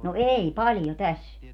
no ei paljon tässä